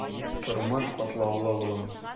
Тормыш катлаулы, улым.